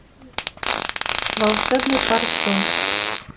волшебный парк джун